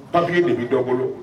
Patigi nin b bɛ dɔ bolo